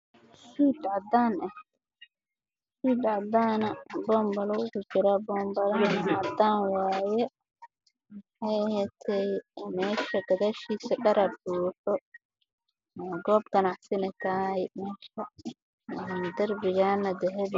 Suud cadaan ah wuxuu ku jiraa pompolo meesha gadaashiisa aan dhar baabuuxo waana goob ganacsi